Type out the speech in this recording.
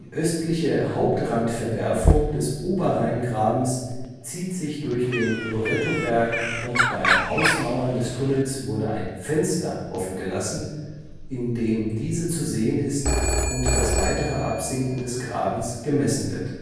östliche Hauptrandverwerfung des Oberrheingrabens zieht sich durch den Lorettoberg und beim Ausmauern des Tunnels wurde ein „ Fenster “offen gelassen, in dem diese zu sehen ist und das weitere Absinken des Grabens gemessen wird